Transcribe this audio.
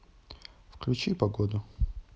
включи погоду